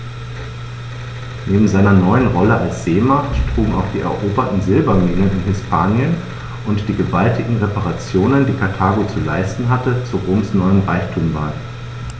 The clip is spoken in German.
Neben seiner neuen Rolle als Seemacht trugen auch die eroberten Silberminen in Hispanien und die gewaltigen Reparationen, die Karthago zu leisten hatte, zu Roms neuem Reichtum bei.